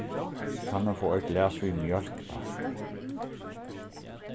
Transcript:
kann eg fáa eitt glas við mjólk takk